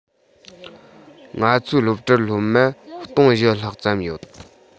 ང ཚོའི སློབ གྲྭར སློབ མ ༤༠༠༠ ལྷག ཙམ ཡོད